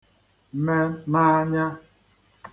me n'ānyā